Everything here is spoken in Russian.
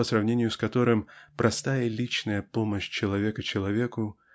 по сравнению с которым простая личная помощь человека человеку